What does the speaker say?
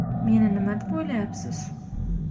meni nima deb o'ylayapsiz